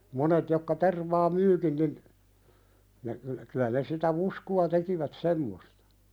monet jotka tervaa myyvätkin niin ne ne kyllä ne sitä fuskua tekivät semmoista